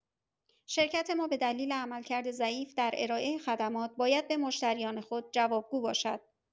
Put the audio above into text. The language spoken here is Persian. شرکت ما به دلیل عملکرد ضعیف در ارائه خدمات، باید به مشتریان خود جوابگو باشد.